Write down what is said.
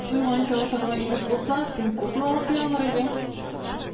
Туйганчы ашарга ирек булса, син күпме ашый алыр идең?